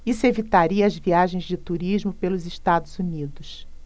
isso evitaria as viagens de turismo pelos estados unidos